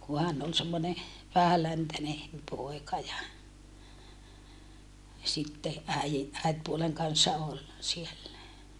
kun hän oli semmoinen vähäläntäinen poika ja sitten äidin äitipuolen kanssa oli siellä